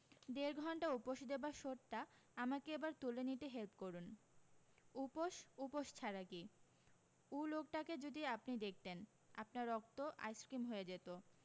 দেড় ঘণ্টা উপোস দেবার শোধটা আমাকে এবার তুলে নিতে হেল্প করুণ উপোস উপোস ছাড়া কী উ লোকটাকে যদি আপনি দেখতেন আপনার রক্ত আইসক্রীম হয়ে যেতো